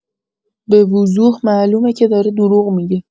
به‌وضوح معلومه که داره دروغ می‌گه.